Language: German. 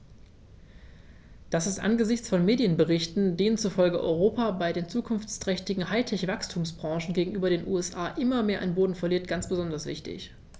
Das ist angesichts von Medienberichten, denen zufolge Europa bei den zukunftsträchtigen High-Tech-Wachstumsbranchen gegenüber den USA immer mehr an Boden verliert, ganz besonders wichtig.